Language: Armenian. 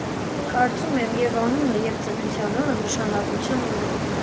Կարծում եմ՝ և՛ անունը, և՛ ծննդյան օրը նշանակություն ունեն։